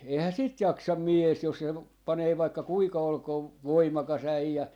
eihän sitä jaksa mies jos - panee vaikka kuinka olkoon voimakas äijä